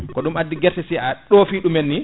ko ɗum guerte si a ɗoofi ɗumen ni